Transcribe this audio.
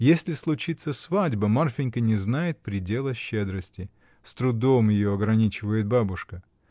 Если случится свадьба, Марфинька не знает предела щедрости: с трудом ее ограничивает бабушка.